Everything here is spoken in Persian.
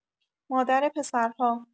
مادر پسرها